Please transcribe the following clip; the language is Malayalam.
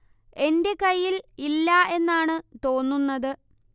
എന്റെ കയ്യിൽ ഇല്ല എന്നാണ് തോന്നുന്നത്